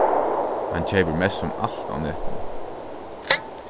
hann keypir mestsum alt á netinum